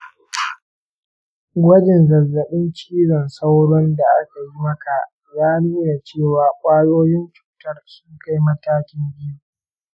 gwajin zazzabin cizon sauro da aka yi maka ya nuna cewa ƙwayoyin cutar sun kai matakin biyu.